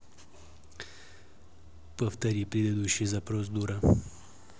повтори предыдущий запрос дура